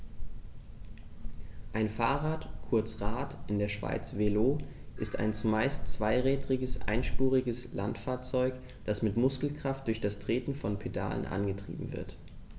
Ein Fahrrad, kurz Rad, in der Schweiz Velo, ist ein zumeist zweirädriges einspuriges Landfahrzeug, das mit Muskelkraft durch das Treten von Pedalen angetrieben wird.